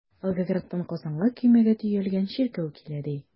Волгоградтан Казанга көймәгә төялгән чиркәү килә, ди.